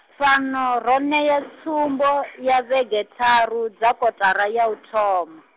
fhano, ro ṋea tsumbo, ya vhege tharu, dza kotara ya u thoma.